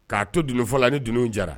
Ka to dununfɔ la ni dunun jara